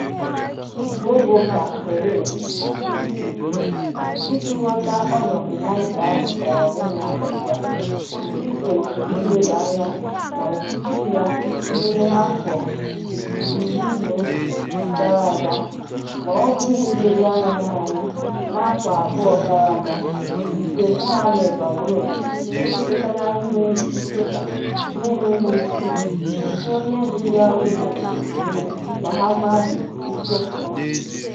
Boubacar Touré (BT): Iji ghọta ọnọdụ Niger hụtara onwe ya ugbua, i kwesịrị ileba anya n'ọchịchị ya n'ime afọ 12 gara aga, ma ọ bụghị iledo anya naanị n'afọ abụọ gara aga nke Mohamed Bazoum, onye ketara ihe nketa n'enweghị isi nke onye bu ya ụzọ, bụ Mahamadou Issoufou.